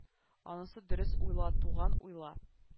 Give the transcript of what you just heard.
Анысы дөрес уйла туган уйла